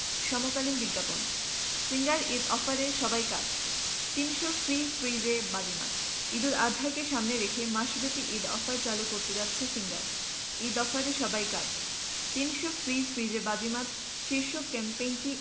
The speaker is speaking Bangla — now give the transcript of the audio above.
সমকালীন বিজ্ঞাপন সিঙ্গার ঈদ অফারে সবাই কাত ৩০০ ফ্রি ফ্রিজে বাজিমাত ঈদুল আজহাকে সামনে রেখে মাসব্যাপী ঈদ অফার চালু করতে যাচ্ছে সিঙ্গার ঈদ অফারে সবাই কাত ৩০০ ফ্রি ফ্রিজে বাজিমাত শীর্ষক ক্যাম্পেইনটি